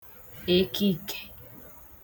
èkìkè